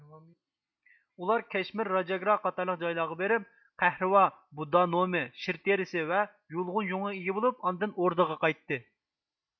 ئۇلار كەشمىر راجاگرا قاتارلىق جايلارغا بېرىپ قەھرىۋا بۇددا نومى شىر تېرىسى ۋە يۇلغۇن يۇڭىغا ئىگە بولۇپ ئاندىن ئوردىغا قايتتى